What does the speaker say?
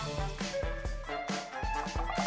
đẹp trai